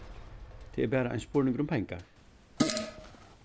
tað er bara ein spurningur um pengar